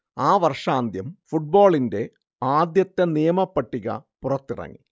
ആ വർഷാന്ത്യം ഫുട്ബോളിന്റെ ആദ്യത്തെ നിയമ പട്ടിക പുറത്തിറങ്ങി